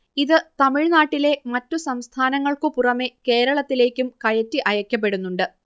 ഇത് തമിഴ്നാട്ടിലെ മറ്റു സംസ്ഥാനങ്ങൾക്കു പുറമേ കേരളത്തിലേക്കും കയറ്റി അയക്കപ്പെടുന്നുണ്ട്